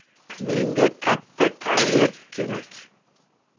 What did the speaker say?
menga katta konvert kerak